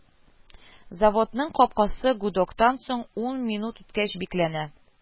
Заводның капкасы гудоктан соң ун минут үткәч бикләнә